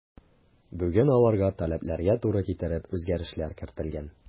Бүген аларга таләпләргә туры китереп үзгәрешләр кертелгән.